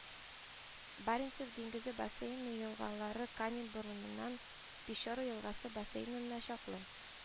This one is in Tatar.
Баренцев диңгезе бассейны елгалары Канин борынынан Печора елгасы бассейнына чаклы